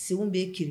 Segu bɛ kelen